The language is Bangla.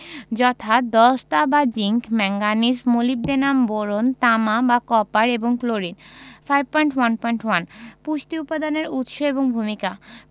যথা দস্তা বা জিংক ম্যাংগানিজ মোলিবডেনাম বোরন তামা বা কপার এবং ক্লোরিন 5.1.1 পুষ্টি উপাদানের উৎস এবং ভূমিকা